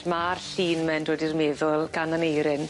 ...ma'r llun 'my'n dod i'r meddwl gan Aneirin.